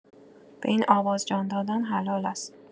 به این آواز جان‌دادن حلال است